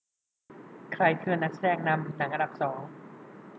ใครคือนักแสดงนำหนังอันดับสอง